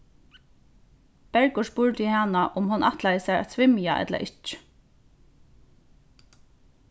bergur spurdi hana um hon ætlaði sær at svimja ella ikki